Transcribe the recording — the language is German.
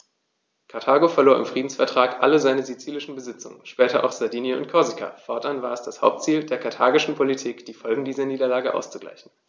Karthago verlor im Friedensvertrag alle seine sizilischen Besitzungen (später auch Sardinien und Korsika); fortan war es das Hauptziel der karthagischen Politik, die Folgen dieser Niederlage auszugleichen.